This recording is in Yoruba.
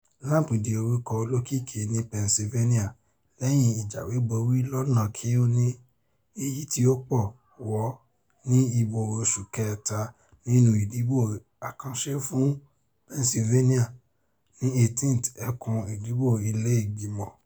Lamb di orukọ olokiki ni Pennsylvania lẹhin ijawebori lọna kiun ni eyi ti ọpọ wo ni ibo oṣu kẹta nínú idibo akanṣe fun Pennsylvania ni 18th Ẹkun Idibo Ile Igbimọ